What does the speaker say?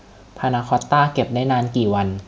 พานาคอตต้าเก็บได้นานกี่วัน